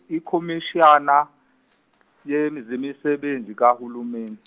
iKhomishana yemi simesebenzi- kaHulumeni.